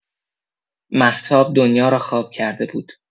مهتاب دنیا را خواب کرده بود.